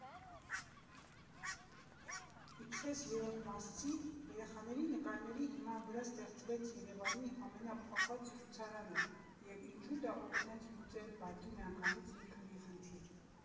Ինչպես երրորդմասցի երեխաների նկարների հիման վրա ստեղծվեց Երևանի ամենափախած զրուցարանը և ինչու դա օգնեց լուծել բակի միանգամից մի քանի խնդիր։